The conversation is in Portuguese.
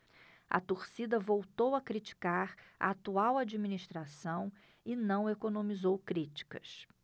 a torcida voltou a criticar a atual administração e não economizou críticas